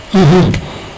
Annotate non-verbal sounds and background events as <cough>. <hesitation> <hesitation>